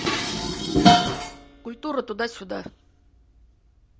культура туда сюда